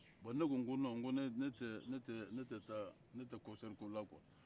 bon ne ko n ko nɔn ne tɛ kɔkisɛri ko la quoi